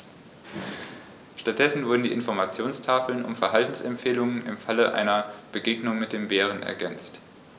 Stattdessen wurden die Informationstafeln um Verhaltensempfehlungen im Falle einer Begegnung mit dem Bären ergänzt.